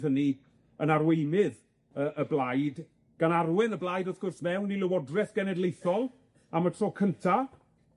hynny yn arweinydd y y blaid, gan arwen y blaid, wrth gwrs, mewn i Lywodreth Genedlaethol am y tro cynta.